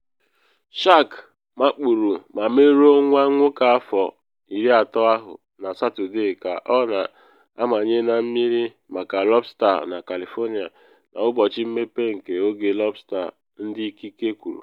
Mmakpu ahụ mere tupu 7 ụtụtụ n’akụkụ Osimiri nke Beacon na Encinitas.